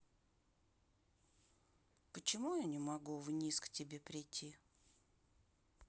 почему я не могу вниз к тебе прийти